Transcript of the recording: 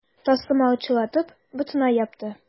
Тастымал чылатып, ботына япты.